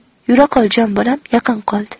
yura qol jon bolam yaqin qoldi